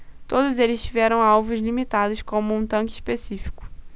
todos eles tiveram alvos limitados como um tanque específico